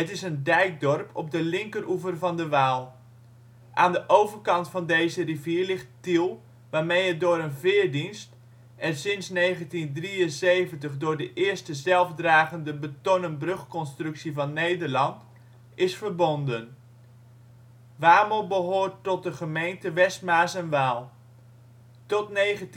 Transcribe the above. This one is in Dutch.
is een dijkdorp op de linkeroever van de Waal. Aan de overkant van deze rivier ligt Tiel, waarmee het door een veerdienst - en sinds 1973 door de eerste zelfdragende betonnenbrugconstructie van Nederland - is verbonden. Wamel behoort tot de gemeente West Maas en Waal. Tot 1984